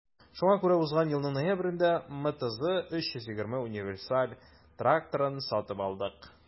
Шуңа күрә узган елның ноябрендә МТЗ 320 универсаль тракторын сатып алдык.